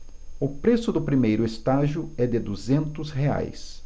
o preço do primeiro estágio é de duzentos reais